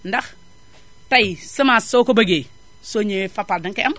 ndax tay semence soo ko bëggee soo ñëwee Fapal danga koy am